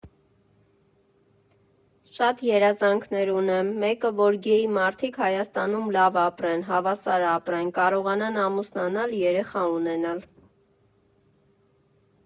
Շատ երազանքներ ունեմ, մեկը որ գեյ մարդիկ Հայաստանում լավ ապրեն, հավասար ապրեն, կարողանան ամուսնանալ, երեխա ունենալ։